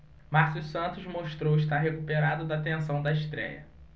márcio santos mostrou estar recuperado da tensão da estréia